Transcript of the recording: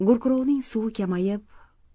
gurkurovning suvi kamayib